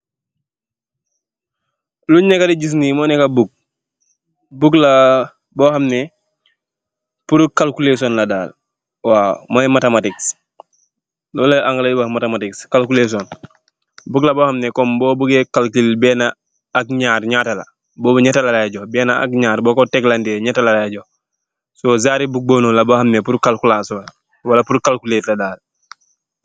Luñg neekë di gis nii mooy buuk, buuk la boo xam ne, pur kalkulëson la, waaw, mooy matamatiks. lool Angaleyi di wax matamatiks, buuk la boo xam ne soo bugee, kontu beenë and ñaar ñaata la, boobu ñatta la laay jox. Soo saaru buuk boob la boo xam ne pur kalkulaason la.